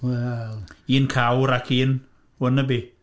Wel... Un cawr ac un wannabe.